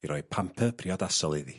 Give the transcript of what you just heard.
...i roi pamper priodasol iddi.